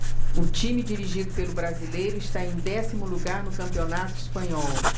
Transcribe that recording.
o time dirigido pelo brasileiro está em décimo lugar no campeonato espanhol